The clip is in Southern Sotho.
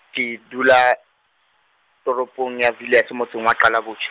ke dula toropong ya Villiers, motseng wa Qalabotjha.